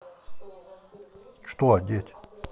что одеть